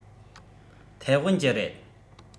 ཐའེ ཝན གྱི རེད